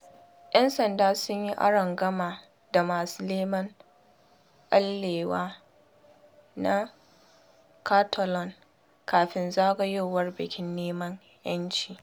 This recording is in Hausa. ’Yan sanda sun yi arangama da masu neman ɓallewa na Catalan kafin zagayowar bikin neman ‘yanci